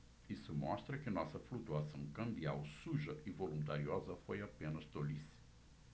isso mostra que nossa flutuação cambial suja e voluntariosa foi apenas tolice